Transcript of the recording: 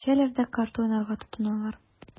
Аннары эчәләр дә карта уйнарга тотыналар.